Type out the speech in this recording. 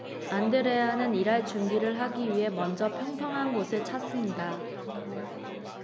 안드레아는 일할 준비를 하기 위해 먼저 평평한 곳을 찾습니다